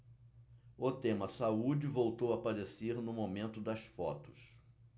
o tema saúde voltou a aparecer no momento das fotos